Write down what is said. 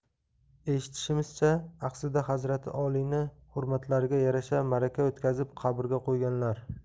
eshitishimizcha axsida hazrati oliyni hurmatlariga yarasha maraka o'tkazib qabrga qo'yganlar